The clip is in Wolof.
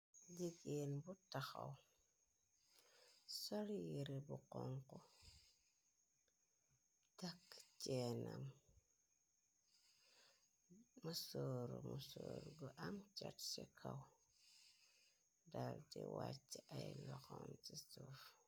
Jigeen bu taxaw sol yire bu xonxu, takk ceenam mësoru, musoor gu am cat ci kaw, dal ti wàcc ay loxom ci suuf.